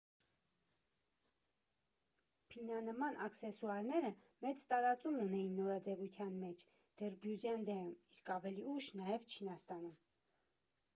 Փինանման աքսեսուարները մեծ տարածում ունեին նորաձևության մեջ դեռ Բյուզանդիայում, իսկ ավելի ուշ՝ նաև Չինաստանում։